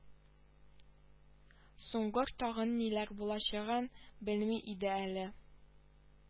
Суңгыр тагын ниләр булачагын белми иде әле